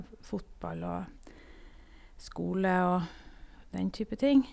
f Fotball og skole og den type ting.